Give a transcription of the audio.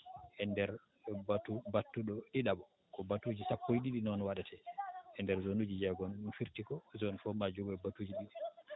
e ndeer batu battuɗo ɗiɗaɓo ko batuuji sappo e ɗiɗi noon waɗetee e ndeer zone uuji jeegom ɗum firti ko zone fof ma jogoo batuuji ɗiɗi